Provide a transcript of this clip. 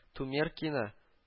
Тумеркина